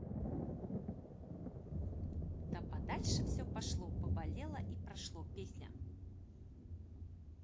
да подальше все пошло поболело и прошло песня